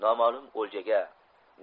nomalum o'ljaga